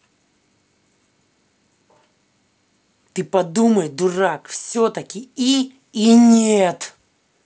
ты подумай дурак все таки и и нет